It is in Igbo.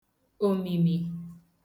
òmìmì